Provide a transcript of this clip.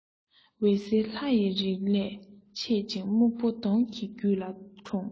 འོད གསལ ལྷ ཡི རིགས ལས མཆེད ཅིང སྨུག པོ གདོང གི རྒྱུད དུ འཁྲུངས